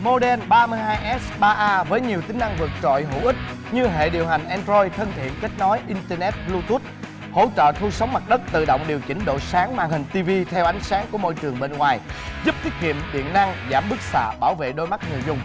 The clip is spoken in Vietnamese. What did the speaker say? mô đen ba mươi hai ét ba a với nhiều tính năng vượt trội hữu ích như hệ điều hành en đờ roi thân thiện kết nối in tơ nét bờ lu tút hỗ trợ thu sóng mặt đất tự động điều chỉnh độ sáng màn hình ti vi theo ánh sáng của môi trường bên ngoài giúp tiết kiệm điện năng giảm bức xạ bảo vệ đôi mắt người dùng